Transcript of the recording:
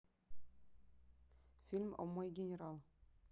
фильм о мой генерал